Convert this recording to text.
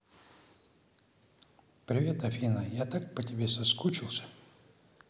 привет афина я так по тебе скучал